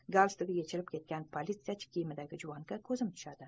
galstugi yechilib ketgan politsiyachi kiyimidagi juvonga ko'zim tushadi